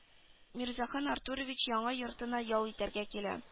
Мирзахан артурович яңа йортына ял итәргә килә